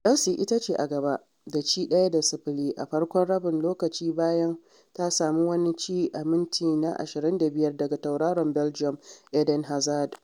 Chelsea ita ce a gaba da ci 1 da 0 a farkon rabin lokaci bayan ta sami wani ci a cikin minti na 25 daga tauraron Belgium Eden Hazard.